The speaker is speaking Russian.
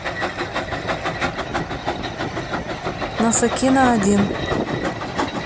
насукино один